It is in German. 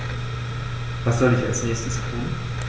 Was soll ich als Nächstes tun?